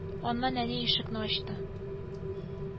Аннан әни ишекне ачты